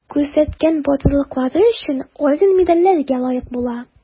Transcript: Күрсәткән батырлыклары өчен орден-медальләргә лаек була.